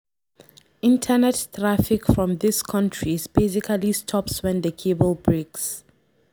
Internet traffic from these countries basically stops when the cable breaks.